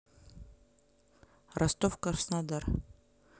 ростов краснодар